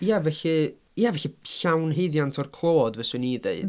Ia, felly, ia, felly llawn haeddiant o'r clod fyswn i'n ddeud.